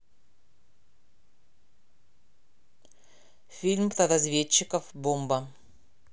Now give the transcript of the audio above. фильм про разведчиков бомба